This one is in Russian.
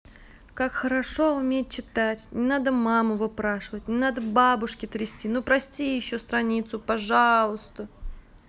как хорошо уметь читать не надо маму выпрашивать не надо бабушке трести ну прости еще страницу пожалуйста